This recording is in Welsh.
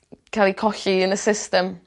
ca'l 'u colli yn y system.